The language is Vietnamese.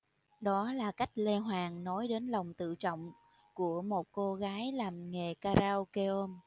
đó là cách lê hoàng nói đến lòng tự trọng của một cô gái làm nghề karaoke ôm